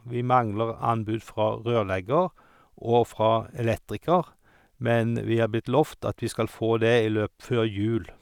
Vi mangler anbud fra rørlegger og fra elektriker, men vi er blitt lovet at vi skal få det i løp før jul.